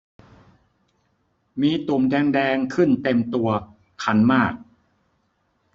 มีตุ่มแดงแดงขึ้นเต็มตัวคันมาก